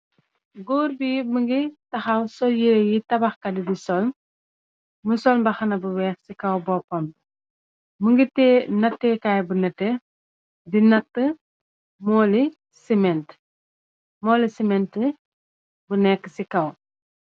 Gór bi mugii taxaw sol yirèh yi tabax kat yi di sol, mu sol mbàxna bu wèèx ci kaw bópambi. Mugii teyeh nateekai Kai bu netteh di natta mooli siment, mooli siment bu nekka ci kaw.